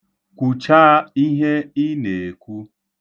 Kwuchaa ihe ị na-ekwu.